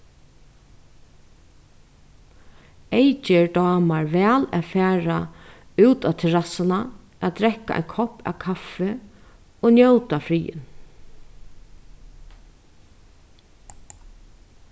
eyðgerð dámar væl at fara út á terrassuna at drekka ein kopp av kaffi og njóta friðin